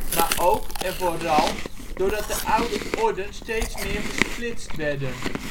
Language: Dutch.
maar ook en vooral doordat de oude orden steeds meer gesplitst werden